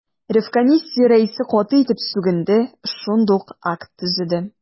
Ревкомиссия рәисе каты итеп сүгенде, шундук акт төзеде.